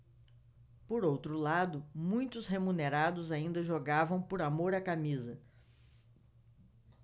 por outro lado muitos remunerados ainda jogavam por amor à camisa